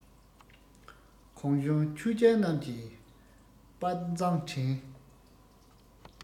གོང བྱོན ཆོས རྒྱལ རྣམས ཀྱིས དཔའ མཛངས དྲན